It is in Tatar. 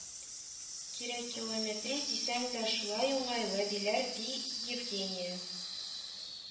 Кирәкилометри дисәң дә, шулай уңайлы, диләр, ди Евгения